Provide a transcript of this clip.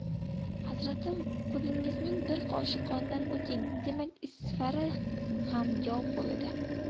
hazratim qulingizning bir qoshiq qonidan o'ting demak isfara ham yov qo'lida